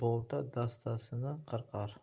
bo'lsa bolta dastasini qirqar